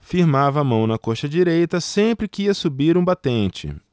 firmava a mão na coxa direita sempre que ia subir um batente